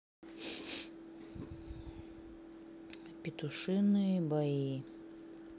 петушиные бои